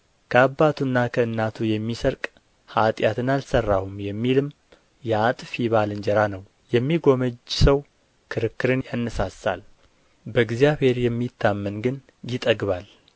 ከአባቱና ከእናቱ የሚሰርቅ ኃጢአትን አልሠራሁም የሚልም የአጥፊ ባልንጀራ ነው የሚጐመጅ ሰው ክርክርን ያነሣሣል በእግዚአብሔር የሚታመን ግን ይጠግባል